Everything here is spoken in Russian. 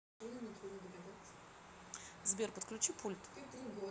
сбер подключи пульт